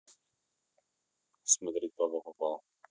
смотреть папа попал